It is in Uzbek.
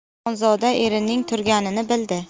xonzoda erining turganini bildi